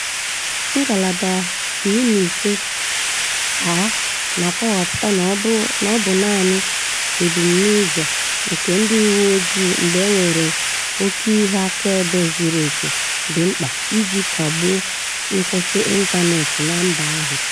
Ngalaba 15a na-akọwapụta na ọ bụ naanị "ebumụzọ" nke ndị uwe ojii mgbe e nwere "oke ihe akaebe zuru oke" dị mkpa iji kagbuo nkwụsị ịntaneetị na mba ahụ.